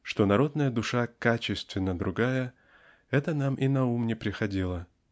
Что народная душа качественно другая--это нам и на ум не приходило.